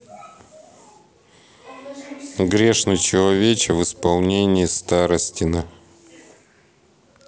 грешный человече в исполнении старостина